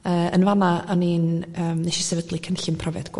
yy yn fana oni'n yym... neshi sefydlu cynllun profiad